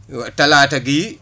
waa talaata gii